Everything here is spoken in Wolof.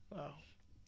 waaw